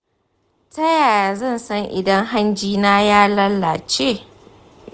ta yaya zan san idan hanjina ya lalace?